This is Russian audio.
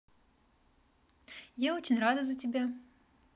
я за тебя очень рада